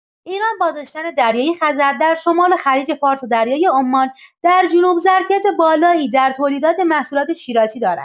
ایران با داشتن دریای‌خزر در شمال و خلیج‌فارس و دریای عمان در جنوب، ظرفیت بالایی در تولید محصولات شیلاتی دارد.